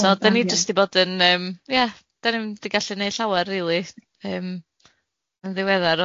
So dan ni jyst di bod yn yym ia dan ni'm di gallu neud llawer rili yym yn ddiweddar,